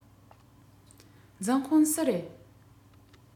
འཛིན དཔོན སུ རེད